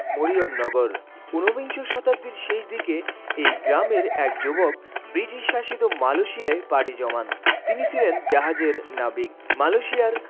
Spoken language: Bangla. মরিয়ম নগর ঊনবিংশ শতাব্দীর শেষ দিকে এই গ্রামের এক যুবক ব্রিটিশ শাসিত মালয়েশিয়ায় পাড়ি জমান তিনি ছিলেন জাহাজের নাবিক মালয়েশিয়ার